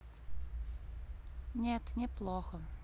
нет не плохо